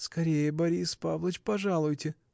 — Скорее, Борис Павлыч, пожалуйте!